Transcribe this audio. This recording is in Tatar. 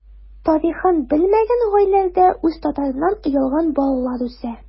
Тарихын белмәгән гаиләләрдә үз татарыннан оялган балалар үсә.